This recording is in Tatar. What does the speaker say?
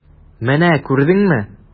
Менә күрдеңме?